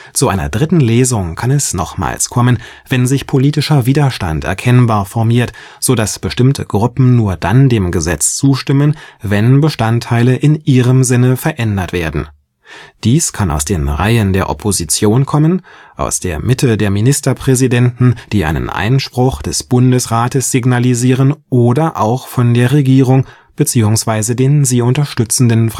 Zu einer „ dritten Lesung “kann es nochmals kommen, wenn sich politischer Widerstand erkennbar formiert, so dass bestimmte Gruppen nur dann dem Gesetz zustimmen, wenn Bestandteile in ihrem Sinne verändert werden. Dies kann aus den Reihen der Opposition kommen, aus der Mitte der Ministerpräsidenten, die einen Einspruch des Bundesrates signalisieren oder auch von der Regierung bzw. den sie unterstützenden